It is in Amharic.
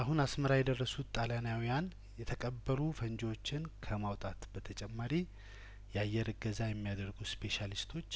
አሁን አስመራ የደረሱት ጣሊያናውያን የተቀበሩ ፈንጂዎችን ከማውጣት በተጨማሪ የአየር እገዛ የሚያደርጉ ስፔሻሊስቶች